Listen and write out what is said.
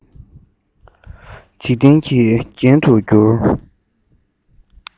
འཇིག རྟེན གྱི རྒྱན དུ གྱུར